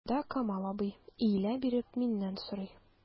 Янымда— Камал абый, иелә биреп миннән сорый.